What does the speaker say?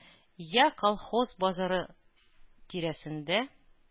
Йә колхоз базары тирәсендә